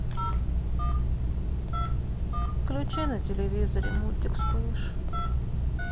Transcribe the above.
включи на телевизоре мультик вспыш